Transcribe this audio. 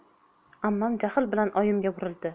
ammam jahl bilan oyimga burildi